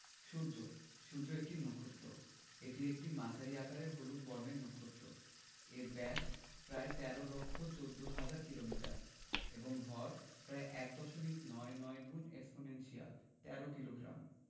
সূর্যঃ সূর্য একটি নক্ষত্র এটি একটি মাঝারি আকারের হলুদ বর্ণের নক্ষত্র এর ব্যাস প্রায় ১৩ লক্ষ ১৪ হাজার কিলোমিটার এবং ভর প্রায় এক দশমিক নয় নয় গুণ এক্সপনেনশিয়াল ১৩ কিলোগ্রাম